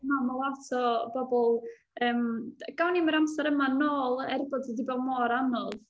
Na mae lot o bobl yym gawn ni ddim o'r amser yma nôl, er bod hi 'di bod mor anodd.